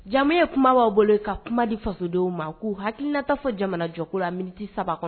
Jamu ye kuma b'a bolo ka kuma fasodenw ma k'u hakilinata fɔ jamana jɔgo la miniti saba kɔnɔ